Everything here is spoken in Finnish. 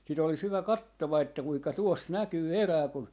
sitten olisi hyvä kattoa että kuinka tuossa näkyy erää kun